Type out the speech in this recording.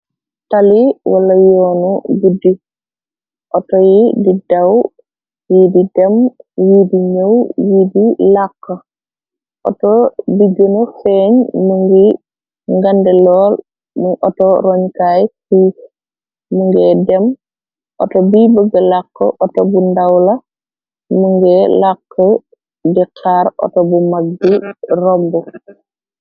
tali wala yoonu duddi auto yi di daw yi di dem yi di ñëw yi di làkk auto bi gëna feeñ mu ngi ngande lool auto roñkaay suuf mu ngay dem auto bi bëgg làkk auto bu ndawla më nga làkk di xaar auto bu mag bi romb.